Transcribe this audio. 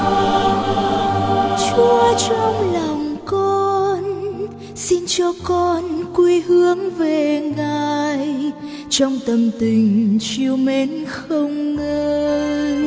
chúa trong lòng con xin cho con quy hướng về ngài trong tâm tình trìu mến không ngơi